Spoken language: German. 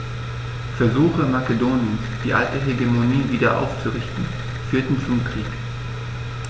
Versuche Makedoniens, die alte Hegemonie wieder aufzurichten, führten zum Krieg.